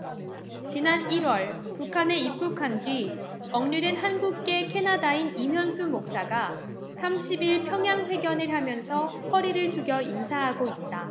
지난 일 월 북한에 입국한 뒤 억류된 한국계 캐나다인 임현수 목사가 삼십 일 평양 회견을 하면서 허리를 숙여 인사하고 있다